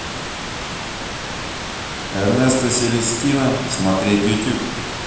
эрнесто селестино смотреть в ютубе